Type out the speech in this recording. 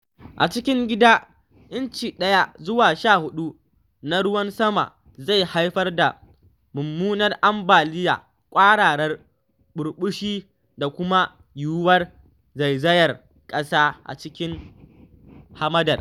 A cikin gida, inci 1 zuwa 14 na ruwan sama zai haifar da mummunan ambaliya, kwararar ɓurɓushi da kuma yiwuwar zaizayar ƙasa a cikin hamadar.